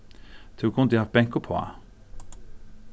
tú kundi havt bankað uppá